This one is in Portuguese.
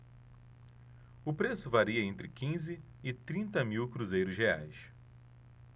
o preço varia entre quinze e trinta mil cruzeiros reais